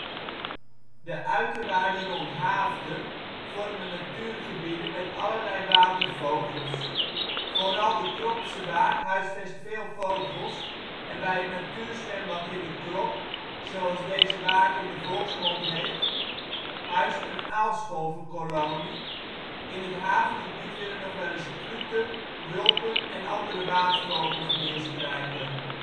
uiterwaarden rond Haaften vormen natuurgebieden met allerlei watervogels; Vooral de Crobsche Waard huisvest veel vogels, en bij het natuurzwembad in de Crob, zoals deze waard in de volksmond heet, huist een aalscholverkolonie. In het havengebied willen nog wel eens kluten, wulpen en andere waadvogels neerstrijken